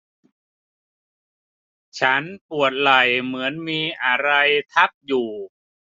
ฉันปวดไหล่เหมือนมีอะไรทับอยู่